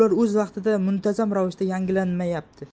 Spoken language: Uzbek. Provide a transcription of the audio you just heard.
o'z vaqtida muntazam ravishda yangilanmayapti